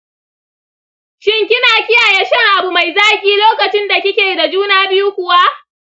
shin kina kiyaye shan abu mai zaƙi lokacin dakike da juna biyu kuwa?